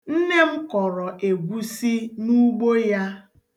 Nne m kọrọ egwusi n'ugbo ya.